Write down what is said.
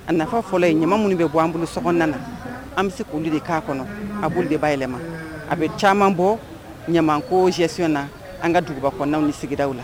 A nafa fɔlɔ ye ɲama minnu bɛ bɔ an bolo so na an bɛ se kundi de kan kɔnɔ a bolo de b'a yɛlɛma a bɛ caman bɔ ɲama ko sɛy na an ka duguba kɔn ni sigidaw la